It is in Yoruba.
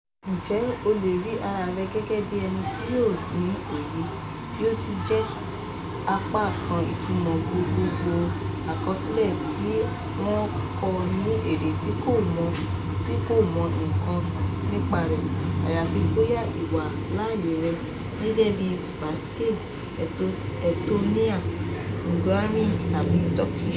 Ǹjẹ́ o lè rí ara rẹ gẹ́gẹ́ bí ẹni tí yóò ní òye - bí ó tiẹ̀ jẹ́ apá kan-ìtumọ̀ gbogbogbò àkọsílẹ̀ tí wọ́n kọ ní èdè tí o kò mọ nǹkan kan nípa rẹ̀ (àyàfi bóyá ìwà láyé rẹ̀) gẹ́gẹ́ bí Basque, Estonian, Hungarian tàbí Turkish?